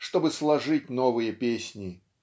чтобы сложить новые песни.